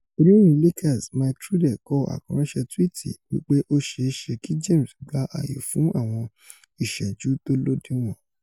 Oníròyìn Lakers Mike Trudell kọ àkọránṣẹ́ túwìtì wí pé ó ṣeé ṣe kí James gbá ayò fún àwọn ìṣẹ́jú tó lódiwọ̀n.